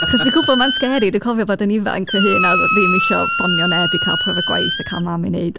Achos dwi'n gwbod mae'n scary. Dw i'n cofio bod yn ifanc fy hun a ddim isio ffonio neb i cael profiad gwaith a cael mam i wneud...